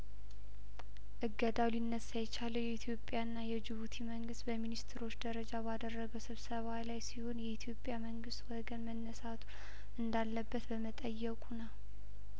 እገዳው ሊነሳ የቻለው የኢትዮጵያ ና የጅቡቲ መንግስት በሚኒስትሮች ደረጃ ባደረገ ስብሰባ ላይ ሲሆን የኢትዮጵያ መንግስት ወገን መነሳቱ እንዳለበት በመጠየቁ ነው